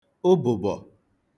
ụbụ̀bọ̀